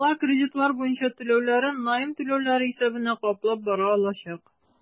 Алар кредитлар буенча түләүләрен найм түләүләре исәбенә каплап бара алачак.